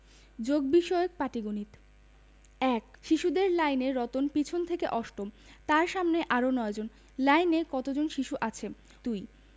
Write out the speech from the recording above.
যোগ বিষয়ক পাটিগনিতঃ ১ শিশুদের লাইনে রতন পিছন থেকে অষ্টম তার সামনে আরও ৯ জন লাইনে কত জন শিশু আছে ২